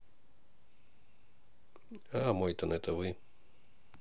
а мойтон это вы